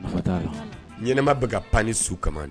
Nafa t'a la. Ɲanama bɛ ka pan ni su kama ye !